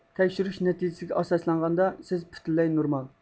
تەكشۈرۈش نەتىجىسىگە ئاساسلانغاندا سىز پۈتۈنلەي نورمال